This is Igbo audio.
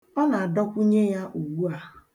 Ọ na-adọkwụnye ya ugbu a.